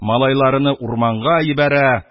, малайларыны урманга йибәрә,